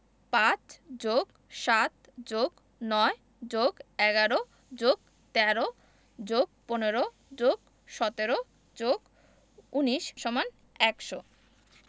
৫+৭+৯+১১+১৩+১৫+১৭+১৯=১০০